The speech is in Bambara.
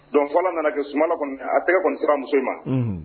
Dɔn fɔlɔ nana kɛ sumaumana kɔnɔ a tɛgɛ kɔnɔ sira muso in ma